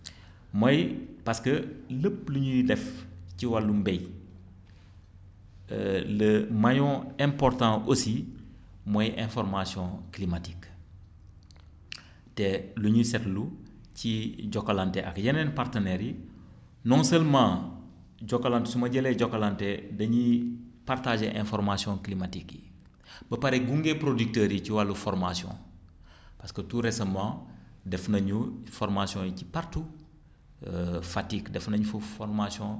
mooy parce que lépp lu ñuy def ci wàllum mbay le maillon important aussi mooy information climatique te lu ñuy seetlu ci Jokalante ak yeneen partenaires yi non seulement Jokalante su ma jëlee Jokalante da ñuy partager information climatique yi ba pare di gunge producteur yi ci wàllu formation parce que tout recemment def nañu formations yi ci partout Fatick def na ñu foofu formation